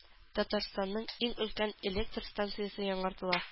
Татарстанның иң өлкән электр станциясе яңартыла